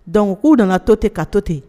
Donc k'u nana to tɛ, ka to ten